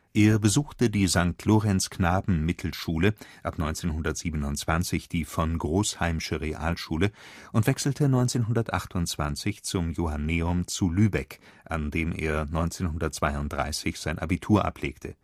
Er besuchte die St.-Lorenz-Knaben-Mittelschule, ab 1927 die Von Großheimsche Realschule und wechselte 1928 zum Johanneum zu Lübeck, an dem er 1932 sein Abitur ablegte